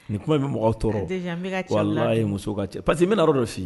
Ni kuma bɛ mɔgɔ tɔɔrɔ la ye muso ka cɛ pa parceseke que n bɛna yɔrɔ dɔ de fɔ yen